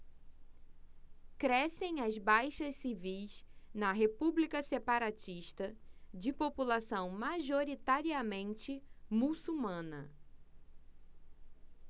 crescem as baixas civis na república separatista de população majoritariamente muçulmana